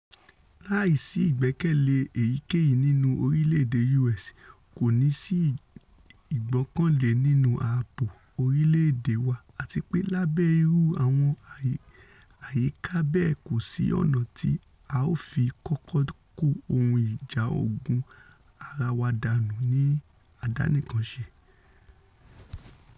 Láìsí ìgbẹkẹ̀lé èyíkéyìí nínú orílẹ̀-èdè U.S. kòní sí ìgbọkànlé nínú ààbò orílẹ̀-èdè wa àtipé lábẹ́ irú àwọn àyíká bẹ́ẹ̀ kòsí ọ̀nà tí a ó fi kọ́kọ́ kó ohun ìjà ogun ara wa dánù ní àdánìkànṣe.''